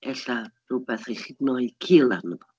Ella rywbeth i chnoi cil arno fo.